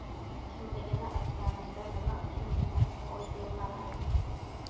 kimligini aytganimda nima uchun degan savol bermalaring